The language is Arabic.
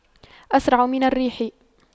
أسرع من الريح